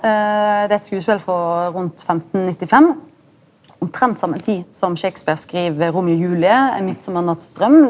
det er eit skodespel frå rundt femtennittifem, omtrent same tid som Shakespeare skriv Romeo og Julie, En midtsommernatts drøm.